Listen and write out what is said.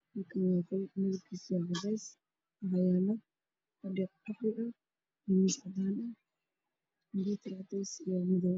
Meeshaan waa qol cadeys ah waxaa yaalo fadhi qaxwi iyo miis cadeys ah, kumiiter cadeys ah.